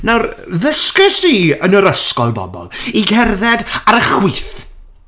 Nawr, ddysgais i yn yr ysgol, bobl, i cerdded ar y chwith.